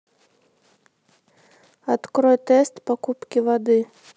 открой тест покупки воды